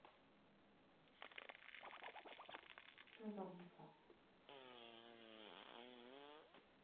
че зависла